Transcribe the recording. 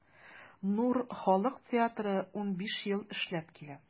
“нур” халык театры 15 ел эшләп килә.